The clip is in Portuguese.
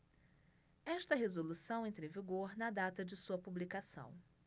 esta resolução entra em vigor na data de sua publicação